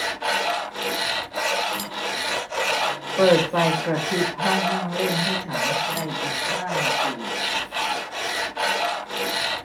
เปิดไฟกระพริบห้องนั่งเล่นให้ฉันในอีกห้านาที